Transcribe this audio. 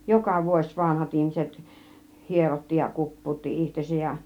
joka vuosi vanhat ihmiset hierotti ja kuppautti itsensä ja